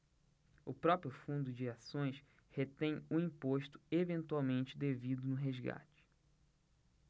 o próprio fundo de ações retém o imposto eventualmente devido no resgate